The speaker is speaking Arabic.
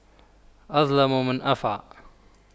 أظلم من أفعى